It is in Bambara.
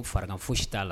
U farakan foyi si t'a la